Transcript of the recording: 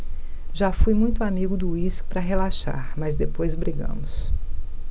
já fui muito amigo do uísque para relaxar mas depois brigamos